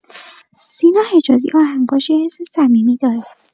سینا حجازی آهنگاش یه حس صمیمی داره.